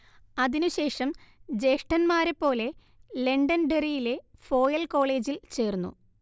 അതിനു ശേഷം ജ്യേഷ്ഠന്മാരെപ്പോലെ ലണ്ടൻഡെറിയിലെ ഫോയൽ കോളേജിൽ ചേർന്നു